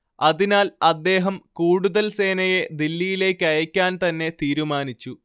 അതിനാൽ അദ്ദേഹം കൂടുതൽ സേനയെ ദില്ലിയിലേക്കയക്കാൻതന്നെ തീരുമാനിച്ചു